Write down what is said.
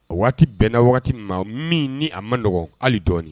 O waati bɛnna waati maa min ni a manɔgɔn hali dɔɔnin